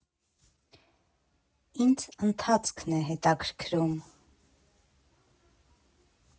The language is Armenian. Ինձ ընթացքն է հետաքրքրում։